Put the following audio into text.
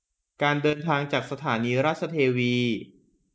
การเดินทางจากสถานีราชเทวี